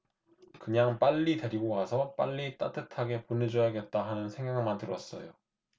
그냥 빨리 데리고 가서 빨리 따뜻하게 보내줘야겠다 하는 생각만 들었어요